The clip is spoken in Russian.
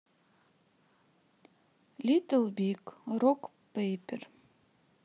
литл биг рок пейпер